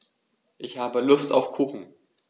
Ich habe Lust auf Kuchen.